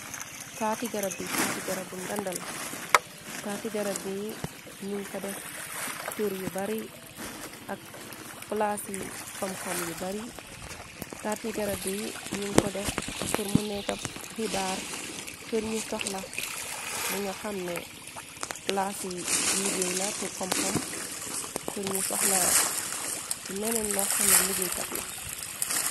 Taati garab bi taati garab bu nganda la taati garab bi ñuŋ fa def tur yu bari ak plaas i komkom yu bari taati garab bi ñun ko def purmu neeka xibaar pirñu soxla li nga xamne plaasi liggéey la ur koomkom purñu soxla leneen loo xamne liggéeykat la.